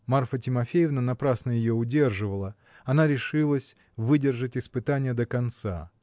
-- Марфа Тимофеевна напрасно ее удерживала: она решилась выдержать испытание до конца.